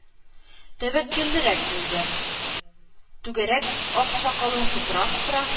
Тәвәккәлләргә булды – түгәрәк ак сакалын сыпыра-сыпыра,